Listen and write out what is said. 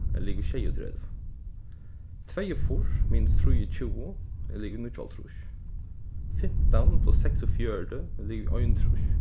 er ligvið sjeyogtretivu tveyogfýrs minus trýogtjúgu er ligvið níggjuoghálvtrýss fimtan pluss seksogfjøruti er ligvið einogtrýss